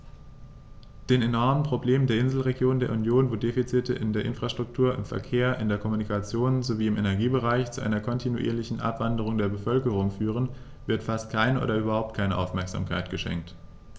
Den enormen Problemen der Inselregionen der Union, wo die Defizite in der Infrastruktur, im Verkehr, in der Kommunikation sowie im Energiebereich zu einer kontinuierlichen Abwanderung der Bevölkerung führen, wird fast keine oder überhaupt keine Aufmerksamkeit geschenkt.